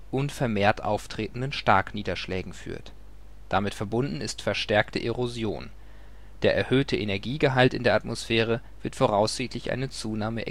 vermehrt auftretenden Starkniederschlägen führt. Damit verbunden ist verstärkte Erosion. Der erhöhte Energiegehalt in der Atmosphäre wird voraussichtlich eine Zunahme